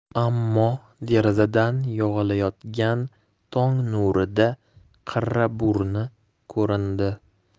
ammo derazadan yog'ilayotgan tong nurida qirra burni ko'rindi